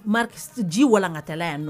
Mari ji walan kata yan nɔ